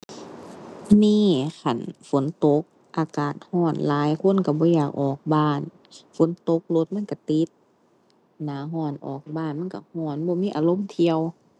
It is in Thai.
นี่คันฝนตกอากาศร้อนหลายคนร้อนบ่อยากออกบ้าน ฝนตกรถมันร้อนติด หน้าร้อนออกบ้านมันร้อนร้อนบ่มีอารมณ์เที่ยว